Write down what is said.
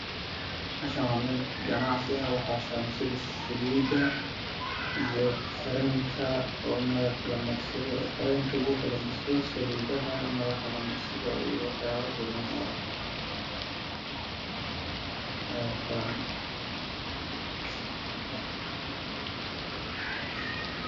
Meshan waa mel ganacsi ah saliida iyo kremka madax la marsado iyo waxyaabo badn ayaa saran